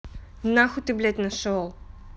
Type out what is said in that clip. нахуй ты блядь нашел